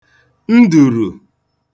ndùrù